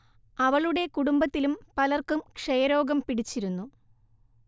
അവളുടെ കുടുംബത്തിലും പലർക്കും ക്ഷയരോഗം പിടിച്ചിരുന്നു